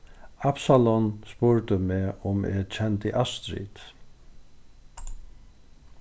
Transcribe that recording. absalon spurdi meg um eg kendi astrid